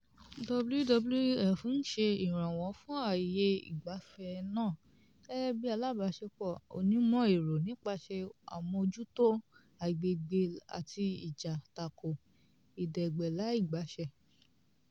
WWF ń ṣe ìrànwọ́ fún àyè ìgbafẹ́ náà gẹ́gẹ́ bíi alábàáṣepọ̀ onímọ̀-ẹ̀rọ nípasẹ̀ àmójútó agbègbè àti ìjà tako ìdẹ̀gbẹ́láìgbàṣẹ.